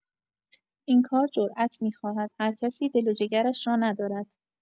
این کار جرات می‌خواهد، هر کسی دل و جگرش را ندارد.